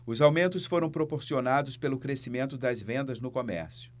os aumentos foram proporcionados pelo crescimento das vendas no comércio